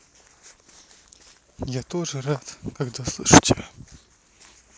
я тоже рад когда слышу тебя